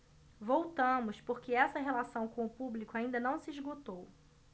voltamos porque essa relação com o público ainda não se esgotou